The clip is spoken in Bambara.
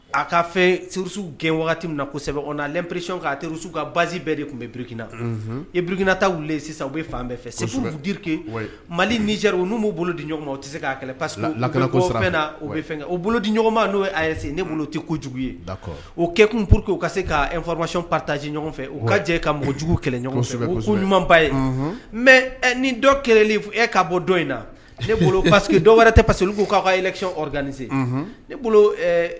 A'a fɛuru gɛnsɛbɛ basi de tun bɛkina ekina u fan fɛke maliri n' bolo di ɲɔgɔn tɛ se k' kɛlɛ lasɛbɛ na o bɛ fɛn bolo di ɲɔgɔnma n'se ne tɛjugu ye o kɛkun pur queke u ka se k'famasi pataj ɲɔgɔn fɛ o ka jɛ ka mugujugu kɛlɛ ɲɔgɔn ɲumanba ye mɛ ni dɔ kɛlɛ e k'a bɔ dɔ in na ne pa que dɔw wɛrɛ tɛ pa' kaɛlɛncdanise